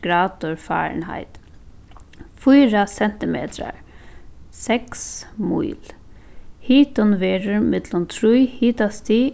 gradir fahrenheit fýra sentimetrar seks míl hitin verður millum trý hitastig